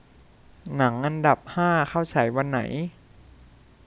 หนังอันดับห้าเข้าฉายวันไหน